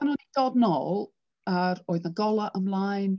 Pan o'n i'n dod yn nôl a'r oedd 'na golau ymlaen.